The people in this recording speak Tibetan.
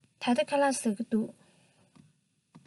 ད ལྟ ཁ ལག ཟ གི འདུག